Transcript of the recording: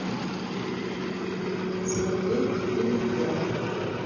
смотреть фильм клан